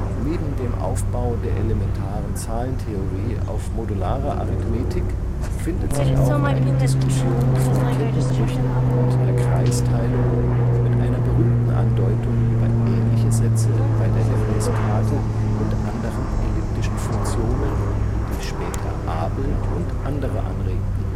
Neben dem Aufbau der elementaren Zahlentheorie auf modularer Arithmetik findet sich auch eine Diskussion von Kettenbrüchen und der Kreisteilung, mit einer berühmten Andeutung über ähnliche Sätze bei der Lemniskate und anderen elliptischen Funktionen, die später Abel und andere anregten